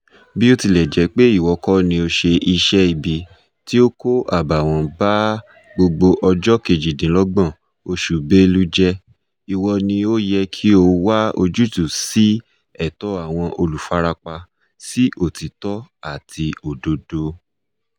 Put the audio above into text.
Bí ó tilẹ̀ jẹ́ pé ìwọ kọ́ ni o ṣe iṣẹ́-ibi tí ó kó àbààwọ́n ba gbogbo ọjọ́ 28 oṣù Belu jẹ́, ìwọ ni ó yẹ kí o wá ojútùú sí ẹ̀tọ́ àwọn olùfarapa sí òtítọ́ àti òdodo...